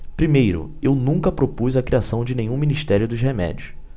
primeiro eu nunca propus a criação de nenhum ministério dos remédios